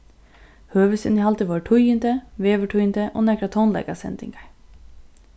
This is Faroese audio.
høvuðsinnihaldið vóru tíðindi veðurtíðindi og nakrar tónleikasendingar